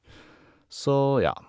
Så, ja.